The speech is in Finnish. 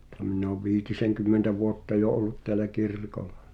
nythän minä olen viitisenkymmentä vuotta jo ollut täällä kirkolla